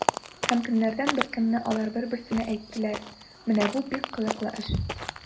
Һәм көннәрдән бер көнне алар бер-берсенә әйттеләр: “Менә бу бик кызыклы эш!”